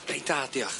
Yy reit da dioch.